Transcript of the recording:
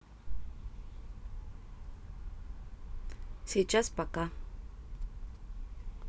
сейчас пока